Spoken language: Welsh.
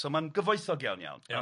So mae'n gyfoethog iawn iawn.